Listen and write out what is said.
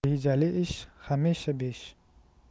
rejali ish hamisha besh